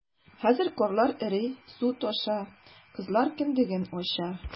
Хәзер карлар эри, су таша - кызлар кендеген ача...